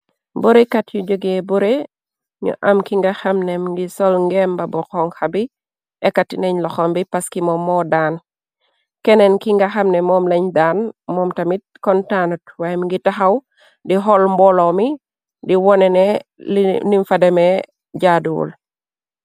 Borekat yu jogee bore, ñu am ki nga xamne ngi sol ngembabu xoŋxabi, ekati nañ loxom bi paskimoom moo daan. Keneen ki nga xamne moom lañ daan moom tamit kon taanut, waayem ngi taxaw di xol mbooloo mi, di wonene li nim fa deme jaaduwul.